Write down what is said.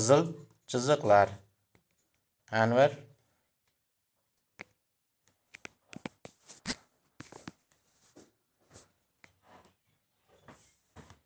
qizil chiziqlar